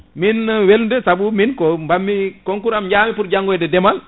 min wende saabu min ko batmi concours am jaami pour janggoyde deemal